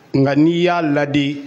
Nka n'i y'a ladi?